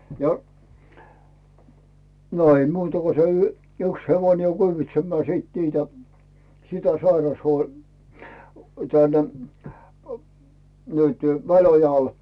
ja no ei muuta kun se - yksi hevonen kyyditsemään sitten niitä sitä --- nyt Väliojalle